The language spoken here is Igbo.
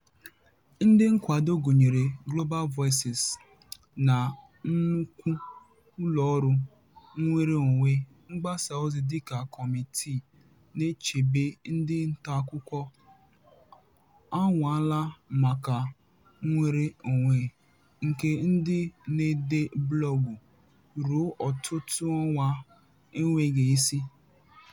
Ndị nkwado gụnyere Global Voices na nnukwu ụlọọrụ nnwereonwe mgbasaozi dịka Kọmitii na-echebe ndị ntaakụkọ anwaala maka nnwereonwe nke ndị na-ede blọọgụ ruo ọtụtụ ọnwa, n'enweghị isi.